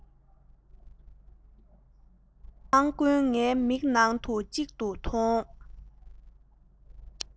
བོད ཁང ཀུན ངའི མིག ནང དུ གཅིག ཏུ མཐོང